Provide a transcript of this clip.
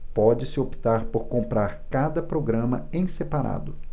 pode-se optar por comprar cada programa em separado